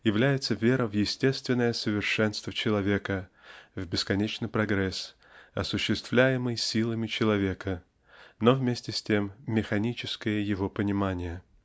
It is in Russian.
является вера в естественное совершенство человека в бесконечный прогресс осуществляемый силами человека но вместе с тем механическое его понимание.